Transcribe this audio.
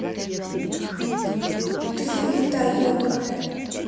ты хуета ебаная